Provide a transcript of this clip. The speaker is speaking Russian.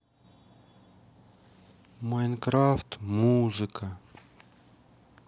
майнкрафт музыка